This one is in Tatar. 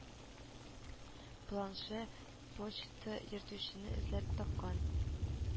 Планше почта йөртүчене эзләп тапкан